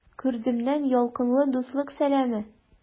Күрдемнән ялкынлы дуслык сәламе!